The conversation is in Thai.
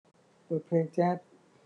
เปิดเพลงแจ๊ส